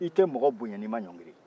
i tɛ mɔgɔ bonya ni ma ɲɔngiri